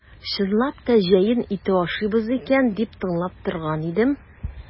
Чынлап та җәен ите ашыйбыз икән дип тыңлап торган идем.